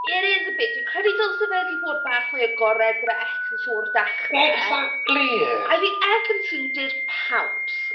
It is a bit. Dwi'n credu dylse fe 'di bod bach mwy agored gyda Ekin-Su o'r dechrau... Exactly! ...I think Ekin-Su did pounce.